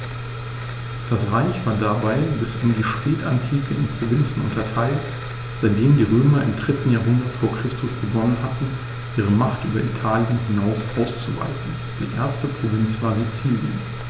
Das Reich war dabei bis in die Spätantike in Provinzen unterteilt, seitdem die Römer im 3. Jahrhundert vor Christus begonnen hatten, ihre Macht über Italien hinaus auszuweiten (die erste Provinz war Sizilien).